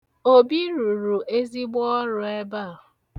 Obi rụrụ ezigbo ọrụ ebe a.